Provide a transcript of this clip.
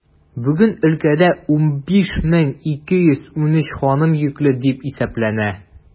Бүген өлкәдә 15213 ханым йөкле дип исәпләнә.